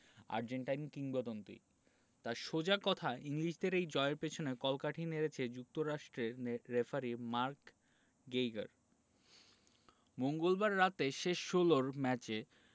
Argentine কিংবদন্তি তাঁর সোজা কথা ইংলিশদের এই জয়ের পেছনে কলকাঠি নেড়েছেন যুক্তরাষ্ট্রের নে রেফারি মার্ক গেইগার মঙ্গলবার রাতে শেষ ষোলোর ম্যাচে